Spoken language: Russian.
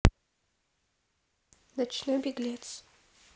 ночной беглец